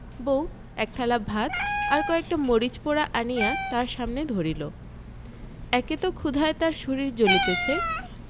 বউ একথালা ভাত আর কয়েকটা মরিচ পোড়া আনিয়া তাহার সামনে ধরিল একে তো ক্ষুধায় তাহার শরীর জ্বলিতেছে